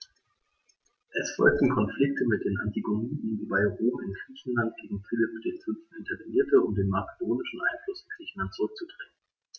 Es folgten Konflikte mit den Antigoniden, wobei Rom in Griechenland gegen Philipp V. intervenierte, um den makedonischen Einfluss in Griechenland zurückzudrängen.